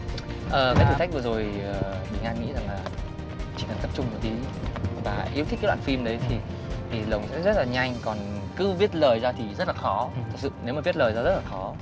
ờ với thử thách vừa rồi huỳnh nga nghĩ rằng là chỉ cần tập trung một tí và yêu thích cái đoạn phim đấy thì thì lồng sẽ rất là nhanh còn cứ viết lời ra thì rất là khó thực sự nếu mà viết lời ra rất là khó